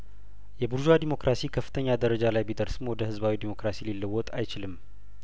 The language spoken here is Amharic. የቡርዧ ዴሞክራሲ ከፍተኛ ደረጃ ላይ ቢደርስም ወደ ህዝባዊ ዴሞክራሲ ሊለወጥ አይችልም